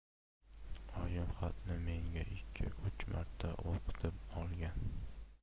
oyim xatni menga ikki uch marta o'qitib olgan